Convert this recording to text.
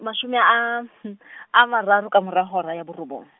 mashome a , a mararo ka mora hora ya bo robong.